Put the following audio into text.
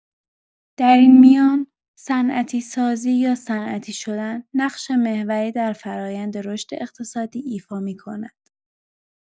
در این میان، صنعتی‌سازی یا صنعتی شدن، نقش محوری در فرایند رشد اقتصادی ایفا می‌کند؛